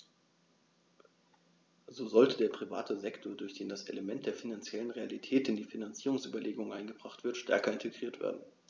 So sollte der private Sektor, durch den das Element der finanziellen Realität in die Finanzierungsüberlegungen eingebracht wird, stärker integriert werden.